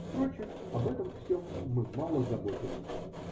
Впрочем, об этом всем мы мало заботились.